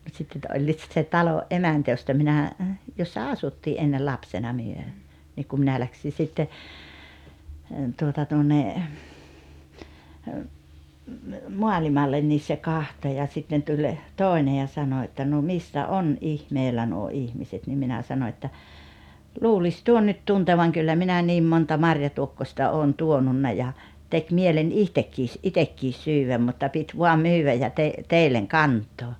mutta sitten että olivat sitten se talon emäntä josta minä jossa asuttiin ennen lapsena me niin kun minä lähdin sitten tuota tuonne maailmalle niin se katsoi ja sitten tuli toinen ja sanoi että no missä on ihmeellä nuo ihmiset niin minä sanoin että luulisi tuon nyt tuntevan kyllä minä niin monta marjatuokkosta olen tuonut ja teki mieleni itsekin itsekin syödä mutta piti vain myydä ja - teille kantaa